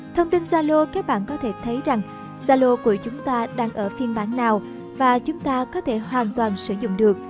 thông tin zalo các bạn có thể thấy rằng zalo của chúng ta đang ở phiên bản nào và chúng ta có thể hoàn toàn sử dụng được